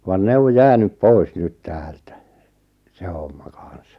vaan ne on jäänyt pois nyt täältä se homma kanssa